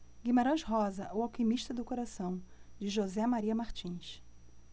guimarães rosa o alquimista do coração de josé maria martins